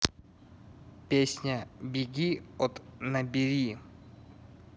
песня беги от набери